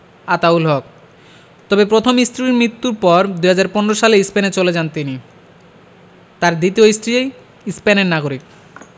আতাউল হক তবে প্রথম স্ত্রীর মৃত্যুর পর ২০১৫ সালে স্পেনে চলে যান তিনি তাঁর দ্বিতীয় স্ত্রী স্পেনের নাগরিক